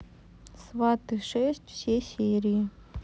сваты шесть все серии